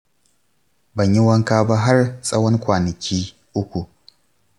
ban yi wanka ba har tsawon kwanaki uku.